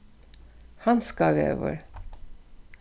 handskavegur